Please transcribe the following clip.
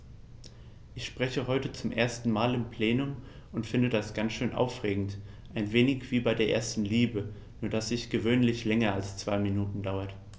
Ich spreche heute zum ersten Mal im Plenum und finde das ganz schön aufregend, ein wenig wie bei der ersten Liebe, nur dass die gewöhnlich länger als zwei Minuten dauert.